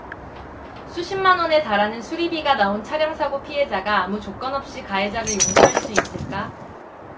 수십만원에 달하는 수리비가 나온 차량사고 피해자가 아무 조건없이 가해자를 용서할 수 있을까